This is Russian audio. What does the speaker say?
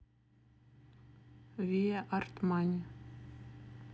вия артмане